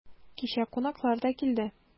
Кичә кунаклар да килде.